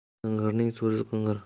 o'zi qing'irning so'zi qing'ir